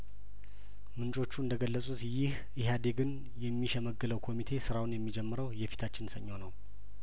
ምንጮቹ እንደገለጹት ይህ ኢህአዴግን የሚሸመግለው ኮሚቴ ስራውን የሚጀምረው የፊታችን ሰኞ ነው